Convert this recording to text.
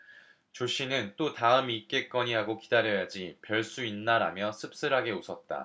조씨는 또 다음이 있겠거니 하고 기다려야지 별 수 있나라며 씁쓸하게 웃었다